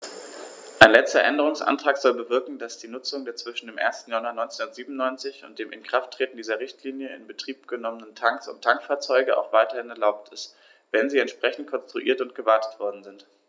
Ein letzter Änderungsantrag soll bewirken, dass die Nutzung der zwischen dem 1. Januar 1997 und dem Inkrafttreten dieser Richtlinie in Betrieb genommenen Tanks und Tankfahrzeuge auch weiterhin erlaubt ist, wenn sie entsprechend konstruiert und gewartet worden sind.